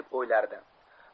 deb o'ylardi